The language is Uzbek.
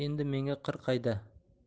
endi menga qir qayda